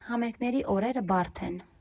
Համերգների օրերը բարդ են.